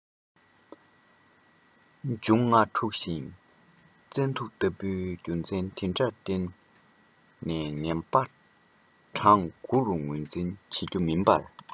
འབྱུང ལྔ འཁྲུགས ཤིང བཙན དུག ལྟ བུའི རྒྱུ མཚན དེ འདྲར བརྟེན ངན པ གྲངས དགུ རུ ངོས འཛིན རྒྱུ མིན པར